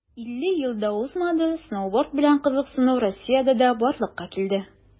50 ел да узмады, сноуборд белән кызыксыну россиядә дә барлыкка килде.